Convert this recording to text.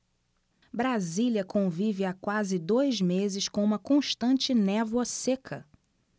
brasília convive há quase dois meses com uma constante névoa seca